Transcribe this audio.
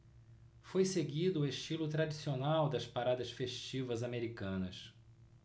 foi seguido o estilo tradicional das paradas festivas americanas